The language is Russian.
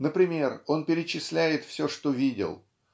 Например, он перечисляет все, что видел